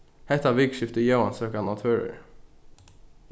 hetta vikuskiftið er jóansøkan á tvøroyri